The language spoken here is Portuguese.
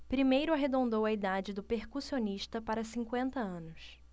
primeiro arredondou a idade do percussionista para cinquenta anos